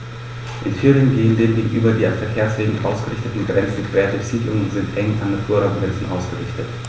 In Thüringen gehen dem gegenüber die an Verkehrswegen ausgerichteten Grenzen quer durch Siedlungen und sind eng an Naturraumgrenzen ausgerichtet.